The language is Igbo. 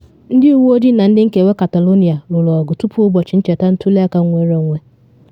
Ndị uwe ojii na ndị nkewa Catalonia lụrụ ọgụ tupu ụbọchị ncheta ntuli aka nnwere onwe